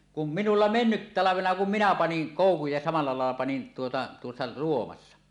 kun minulla menneenä talvena kun minä panin koukun ja samalla lailla panin tuota tuossa -